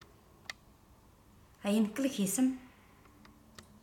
དབྱིན སྐད ཤེས སམ